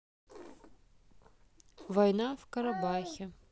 война в карабахе